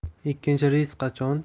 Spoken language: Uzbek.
ikkinchi reys qachon